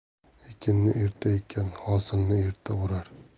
ekinni erta ekkan hosilni erta o'rar